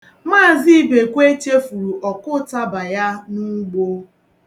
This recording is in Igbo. Maazị Ibekwe chefuru ọkụụtaba ya n'ugbo.